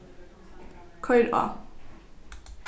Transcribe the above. koyr á